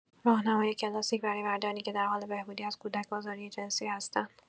راهنمای کلاسیک برای مردانی که در حال بهبودی از کودک‌آزاری جنسی هستند.